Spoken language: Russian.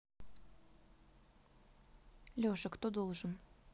леша кто должен